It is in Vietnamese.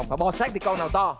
bò sát thì con nào to